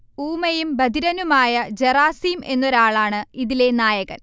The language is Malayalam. ഊമയും ബധിരനുമായ ജറാസിം എന്നൊരാളാണ് ഇതിലെ നായകൻ